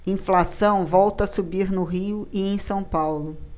inflação volta a subir no rio e em são paulo